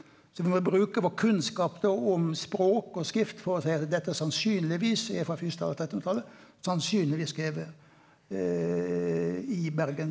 så me må bruka vår kunnskap om språk og skrift for å dette sannsynlegvis er frå trettehundretalet, sannsynlegvis skrive i Bergen.